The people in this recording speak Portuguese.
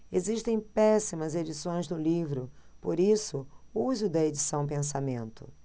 existem péssimas edições do livro por isso use o da edição pensamento